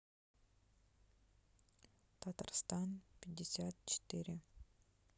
татарстан пятьдесят четыре